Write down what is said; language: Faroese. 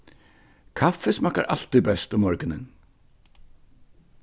kaffi smakkar altíð best um morgunin